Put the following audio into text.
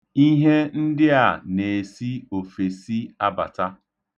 Ihe ndị a na-esi ofesi abata.